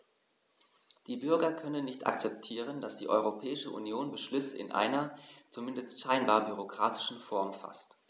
Die Bürger können nicht akzeptieren, dass die Europäische Union Beschlüsse in einer, zumindest scheinbar, bürokratischen Form faßt.